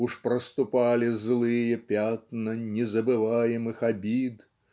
Уж проступали злые пятна Незабываемых обид.